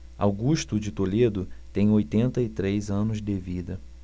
augusto de toledo tem oitenta e três anos de vida